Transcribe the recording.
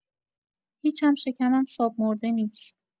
هیچم شکمم صاب مرده نیست!